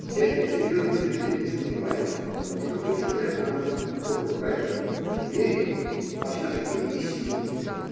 Ни один серьезный зритель не сомневается, что хоть шумят на русских культурных праздниках евреи, а все-таки истинной.